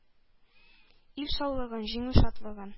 Ил саулыгын, җиңү шатлыгын.